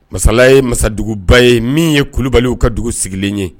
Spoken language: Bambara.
Masala ye masaduguba ye min ye kulubaliw ka dugu sigilen ye.